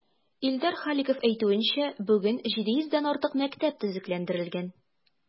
Илдар Халиков әйтүенчә, бүген 700 дән артык мәктәп төзекләндерелгән.